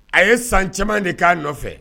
A ye san caman de k'a nɔfɛ